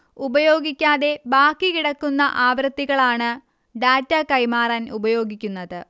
ഉപയോഗിക്കാതെ ബാക്കി കിടക്കുന്ന ആവൃത്തികളാണ് ഡാറ്റാ കൈമാറാൻ ഉപയോഗിക്കുന്നത്